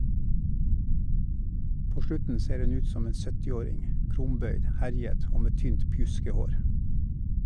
På slutten ser hun ut som en 70-åring , krumbøyd, herjet og med tynt pjuskehår.